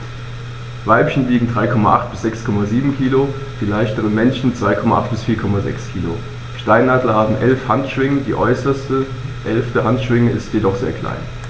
Weibchen wiegen 3,8 bis 6,7 kg, die leichteren Männchen 2,8 bis 4,6 kg. Steinadler haben 11 Handschwingen, die äußerste (11.) Handschwinge ist jedoch sehr klein.